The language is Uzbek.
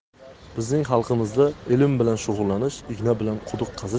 bizning xalqimizda ilm bilan shug'ullanish igna bilan